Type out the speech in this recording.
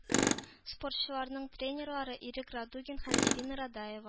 Спортчыларның тренерлары - Ирек Радугин һәм Ирина Радаева.